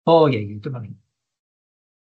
O ie ie dyma ni.